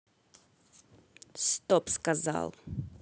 стоп сказал